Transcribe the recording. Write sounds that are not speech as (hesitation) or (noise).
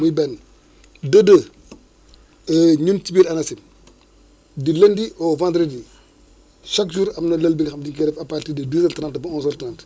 muy benn de deux (noise) (hesitation) énun ci biir ANACIM du lundi au vendredi chaque jour am na lël bi nga xam dañ koy def à partir de 10 heures 30 ba 11 heures 30